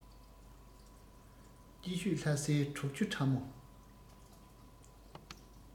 སྐྱིད ཤོད ལྷ སའི གྲོག ཆུ ཕྲ མོ